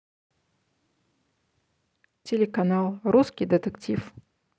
телеканал русский детектив